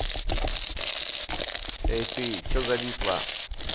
эй ты че зависла